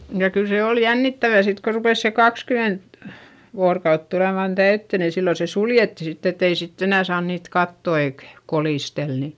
ja kyllä se oli jännittävää sitten kun rupesi se kaksikymmentä vuorokautta tulemaan täyteen niin silloin se suljettiin sitten että ei sitten enää saanut niitä katsoa eikä kolistella niin